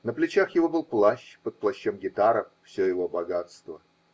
На плечах его был плащ, под плащом гитара: все его богатство.